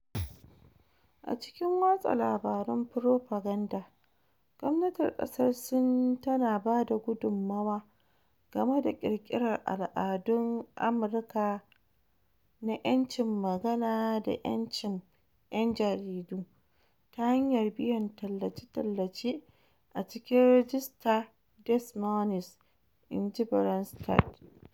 "A cikin watsa labaran furofaganda, gwamnatin kasar Sin tana ba da gudummawa game da kirkirar al'adun Amurka na ‘yancin magana da ‘yancin yan jaridu ta hanyar biyan tallace-tallace a cikin Ragista Des Moines," in ji Branstad.